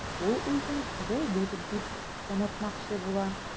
Ул үзен Вәдүт дип танытмакчы була.